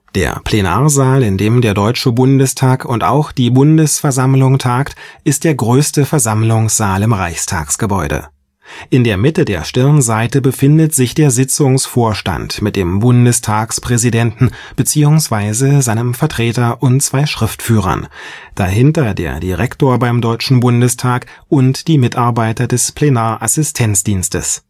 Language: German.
Der Plenarsaal, in dem der Deutsche Bundestag und auch die Bundesversammlung tagt, ist der größte Versammlungssaal im Reichstagsgebäude. In der Mitte der Stirnseite befindet sich der Sitzungsvorstand mit dem Bundestagspräsidenten bzw. seinem Vertreter und zwei Schriftführern, dahinter der Direktor beim Deutschen Bundestag und die Mitarbeiter des Plenarassistenzdienstes